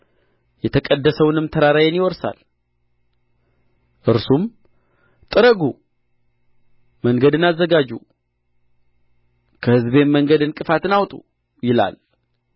የተቀደሰውንም ተራራዬን ይወርሳል እርሱም ጥረጉ መንገድን አዘጋጁ ከሕዝቤም መንገድ ዕንቅፋትን አውጡ ይላል